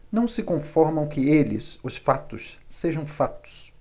não se conformam que eles os fatos sejam fatos